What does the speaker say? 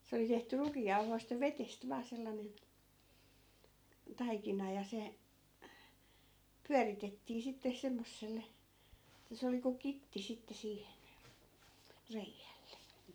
se oli tehty rukiinjauhoista ja vedestä vain sellainen taikina ja se pyöritettiin sitten semmoiselle että se oli kuin kitti sitten siihen reiälle